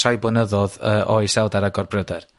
rhai blynyddodd yy o iselder a gorbryder.